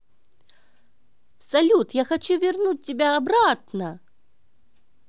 салют я хочу вернуть тебя обратно